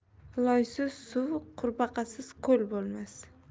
loysiz suv qurbaqasiz ko'l bo'lmas